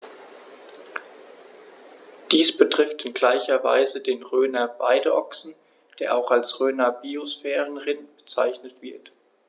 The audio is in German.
Dies betrifft in gleicher Weise den Rhöner Weideochsen, der auch als Rhöner Biosphärenrind bezeichnet wird.